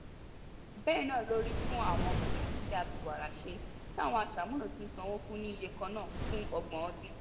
Bẹ́ẹ̀ náà ló rí fún àwọn ohun èlò tí a fi wàrà ṣe, tí àwọn aṣàmúlò ti ń sanwó fún ní iye kan náà fún ọgbọ̀n ọdún.